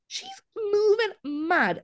She's moving mad.